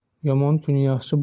yomon kun yaxshi